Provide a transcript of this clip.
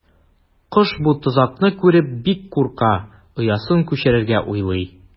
Кош бу тозакны күреп бик курка, оясын күчерергә уйлый.